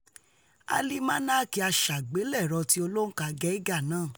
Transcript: Álimánáàkì Aṣàgbélẹ̀rọ́ ti Olóǹka Geiger náà